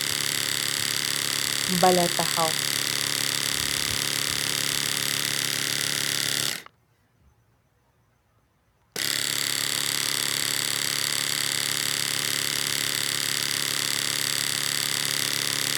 Balleh tahâw